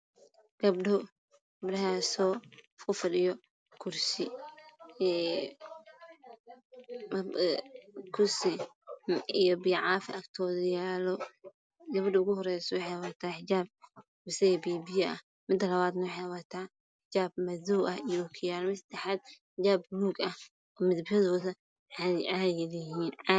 Waa gabdho kufadhiyo kursi waxaa agyaalo biyo caafi. Gabadha ugu horeyso waxay wadataa xijaab basali biyo biyo ah tan kalana xijaab madow ah iyo ookiyaalo. Tan kalana xijaab buluug ah.